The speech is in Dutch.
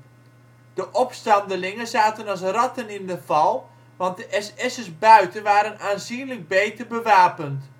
opstandelingen zaten als ratten in de val, want de SS'ers buiten waren aanzienlijk beter bewapend